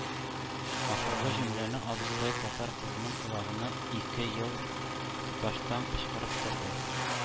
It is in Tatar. Ахыргы җөмләне абыстай татар кызының колагына ике ел тоташтан кычкырып торды.